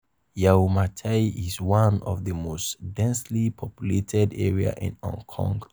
Yau Ma Tei is one of the most densely populated areas in Hong Kong.